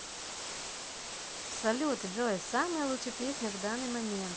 салют джой самая лучшая песня в данный момент